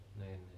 niin niin